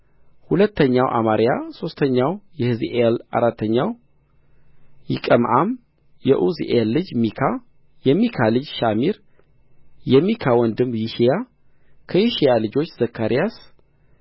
ሁለተኛው አማርያ ሦስተኛው የሕዚኤል አራተኛው ይቀምዓም የዑዝኤል ልጅ ሚካ የሚካ ልጅ ሻሚር የሚካ ወንድም ይሺያ ከይሺያ ልጆች ዘካርያስ